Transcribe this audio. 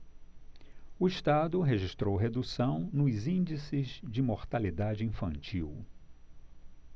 o estado registrou redução nos índices de mortalidade infantil